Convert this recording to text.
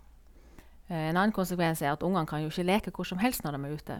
En annen konsekvens er at ungene kan jo ikke leke hvor som helst når dem er ute.